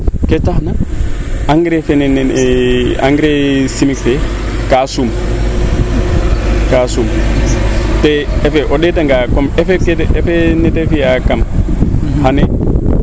ke taxna engrais fene engrais chimique fee kaa sum kaa sum to o ndeeta nga effet effet nete fiyaa kam ane